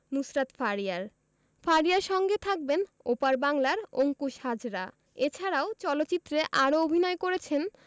নুসরাত ফারিয়ার ফারিয়ার সঙ্গে থাকবেন ওপার বাংলার অংকুশ হাজরা এছাড়াও চলচ্চিত্রে আরও অভিনয় করেছেন